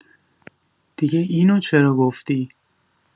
دیگه اینو چرا گفتی؟